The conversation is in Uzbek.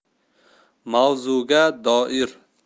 mavzuga doir